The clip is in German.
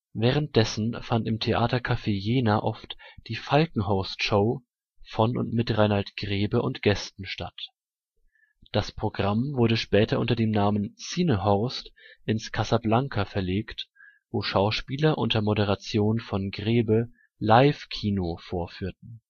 Währenddessen fand im Theatercafé Jena oft „ Die Falkenhorst-Show “von und mit Rainald Grebe und Gästen statt. Das Programm wurde später unter dem Namen „ Cinehorst “ins „ Kassablanca “verlegt, wo Schauspieler unter Moderation von Grebe „ Live-Kino “vorführten